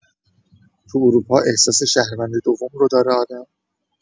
تو اروپا احساس شهروند دوم رو داره آدم؟